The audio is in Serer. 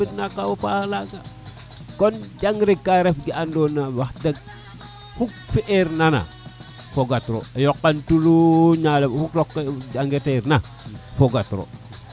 o kaw o kawa paxa laga kon jangre ka ref ka andona wax deg oxu fi erna na fogarito o yoqan tuluñ na oxu janga teer na fogatiro